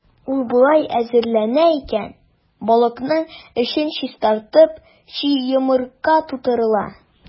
Ул болай әзерләнә икән: балыкның эчен чистартып, чи йомырка тутырыла.